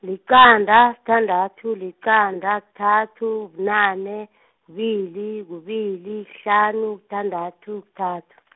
liqanda, sithandathu, liqanda, kuthathu, bunane , kubili, kubili, kuhlanu, kuthandathu, kuthathu.